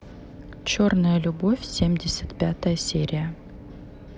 черная любовь семьдесят пятая серия